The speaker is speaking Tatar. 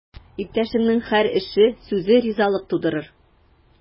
Иптәшеңнең һәр эше, сүзе ризалык тудырыр.